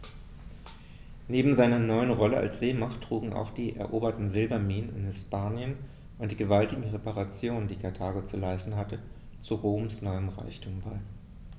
Neben seiner neuen Rolle als Seemacht trugen auch die eroberten Silberminen in Hispanien und die gewaltigen Reparationen, die Karthago zu leisten hatte, zu Roms neuem Reichtum bei.